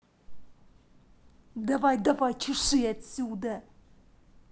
давай давай чеши отсюда